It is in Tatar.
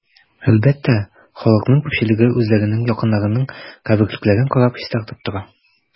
Әлбәттә, халыкның күпчелеге үзләренең якыннарының каберлекләрен карап, чистартып тора.